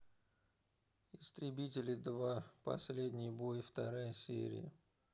истребители два последний бой вторая серия